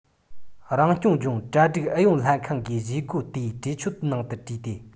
རང སྐྱོང ལྗོངས གྲ སྒྲིག ཨུ ཡོན ལྷན ཁང གིས བཞེད དགོངས དེ གྲོས ཆོད ནང དུ བྲིས ཏེ